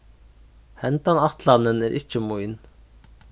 hendan ætlanin er ikki mín